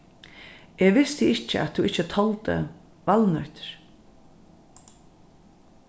eg visti ikki at tú ikki toldi valnøtir